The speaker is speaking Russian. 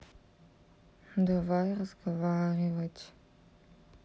давай разговаривать